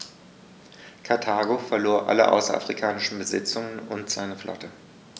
Karthago verlor alle außerafrikanischen Besitzungen und seine Flotte.